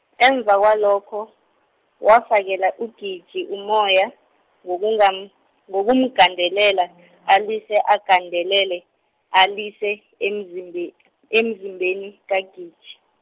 emva kwalokho, wafakela UGiji umoya, wokungam- ngokumgandelela, alise agandelele alise, emzimbe- , emzimbeni kaGiji.